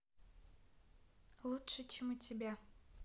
лучше чем у тебя